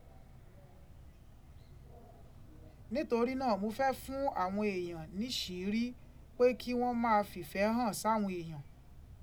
Nítorí náà, mo fẹ́ fún àwọn èèyàn níṣìírí pé kí wọ́n máa fìfẹ́ hàn sáwọn èèyàn.